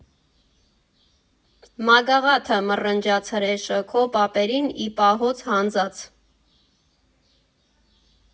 ֊ Մագաղա՜թը, ֊ մռնչաց հրեշը, ֊ քո պապերին ի պահոց հանձած։